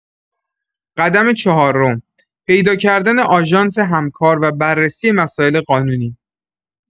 قدم چهارم، پیدا کردن آژانس همکار و بررسی مسائل قانونی.